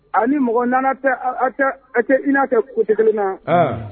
A ni mɔgɔ nana tɛ a tɛ i na tɛ i na tɛ coté kelen na. Han